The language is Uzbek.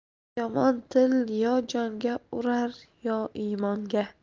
yomon til yo jonga urar yo imonga